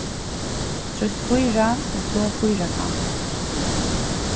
trýst fýra og so fýrakant